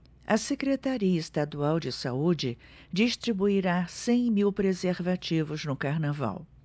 a secretaria estadual de saúde distribuirá cem mil preservativos no carnaval